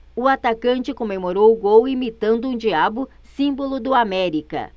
o atacante comemorou o gol imitando um diabo símbolo do américa